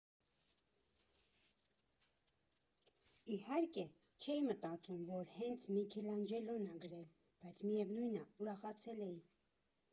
Իհարկե, չէի մտածում, որ հենց Միքելանջելոն ա գրել, բայց միևնույն ա՝ ուրախացել էի։